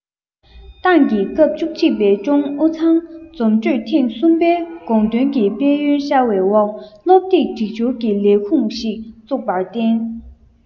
ཏང གི སྐབས བཅུ གཅིག པའི ཀྲུང ཨུ ཚང འཛོམས གྲོས ཚོགས ཐེངས གསུམ པའི དགོངས དོན གྱི དཔལ ཡོན ཤར བའི འོག སློབ དེབ སྒྲིག སྦྱོར གྱི ལས ཁུངས ཤིག བཙུགས པར བརྟེན